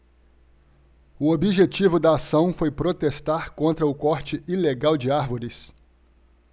o objetivo da ação foi protestar contra o corte ilegal de árvores